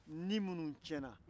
ni minnu ciɲɛ na